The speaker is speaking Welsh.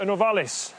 yn ofalus